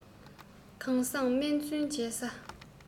གང བཟང སྨན བཙུན མཇལ ས